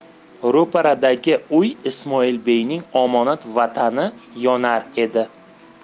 ro'paradagi uy ismoilbeyning omonat vatani yonar edi